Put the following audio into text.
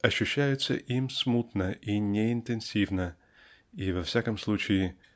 ощущаются им смутно и неинтенсивно и во всяком случае